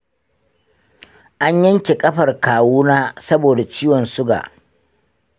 an yanke ƙafar kawu na saboda ciwon suga.